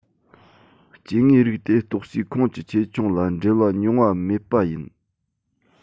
སྐྱེ དངོས རིགས དེ གཏོགས སའི ཁོངས ཀྱི ཆེ ཆུང ལ འབྲེལ བ ཉུང བའམ མེད པ ཡིན